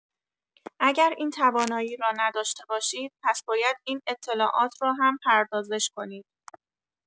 اگر این توانایی را نداشته باشید، پس باید این اطلاعات را هم پردازش کنید.